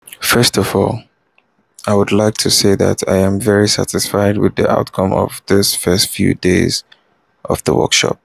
First of all, I would like to say that I am very satisfied with the outcome of these first few days of the workshop.